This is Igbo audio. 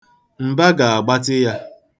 Mba ga-agbatị aka ya.